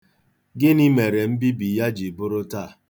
Gịnị mere mbibi ya jiri bụrụ taa?